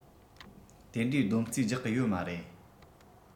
དེ འདྲའི སྡོམ རྩིས རྒྱགས གི ཡོད མ རེད